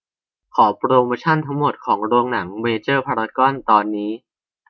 ขอโปรโมชันทั้งหมดของโรงหนังเมเจอร์พารากอนตอนนี้